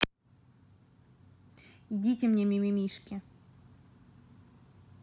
идите мне мимимишки